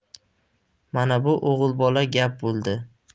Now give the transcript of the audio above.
mana bu o'g'ilbola gap bo'ldi